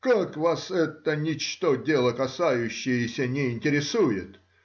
Как вас это ничто, дела касающееся, не интересует?